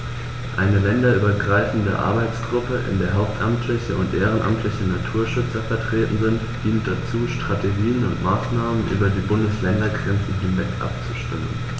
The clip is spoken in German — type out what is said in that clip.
Eine länderübergreifende Arbeitsgruppe, in der hauptamtliche und ehrenamtliche Naturschützer vertreten sind, dient dazu, Strategien und Maßnahmen über die Bundesländergrenzen hinweg abzustimmen.